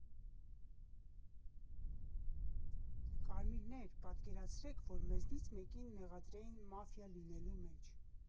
Կարմիրներ, պատկերացրեք, որ մեզնից մեկին մեղադրեին մաֆիա լինելու մեջ։